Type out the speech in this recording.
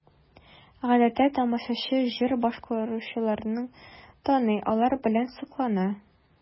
Гадәттә тамашачы җыр башкаручыларны таный, алар белән соклана.